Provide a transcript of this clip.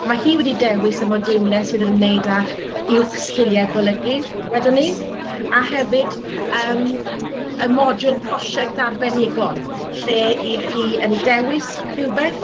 Ma' hi wedi dewis y modiwlau sydd yn ymwneud â uwch sgiliau golygu, wedwn ni, a hefyd yym y modiwl prosiect arbennigol lle 'y chi yn dewis rhywbeth,